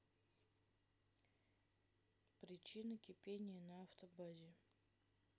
причина кипения на автобазе